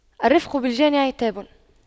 الرفق بالجاني عتاب